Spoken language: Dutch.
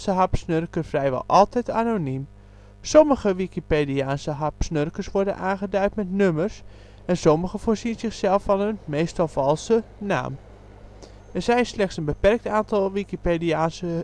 hapsnurker vrijwel altijd anoniem. Sommige Wikipediaanse hapsnurkers worden aangeduid met nummers, en sommigen voorzien zichzelf van een (meestal valse) naam. Er zijn slechts een beperkt aantal Wikipediaanse